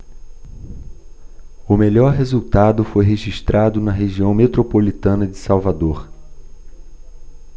o melhor resultado foi registrado na região metropolitana de salvador